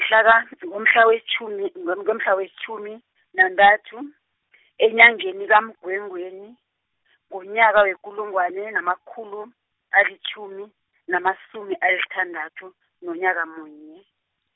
mhlaka, ngomhla wetjhumi ngo ngomhlawetjhumi nanthathu , enyangeni kaMgwengweni, ngonyaka wekulungwane, namakhulu, alitjhumi, namasumi asithandathu, nonyaka munye.